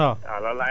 waaw kay